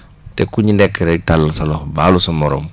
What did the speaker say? te ku ci nekk rek tàllal sa loxo baalu sa morom